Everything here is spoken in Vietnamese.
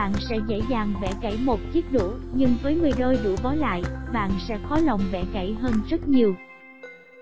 bạn sẽ dễ dàng bẻ gãy chiếc đũa nhưng với đôi đũa bó lại bạn sẽ khó lòng bẻ gãy hơn rất nhiều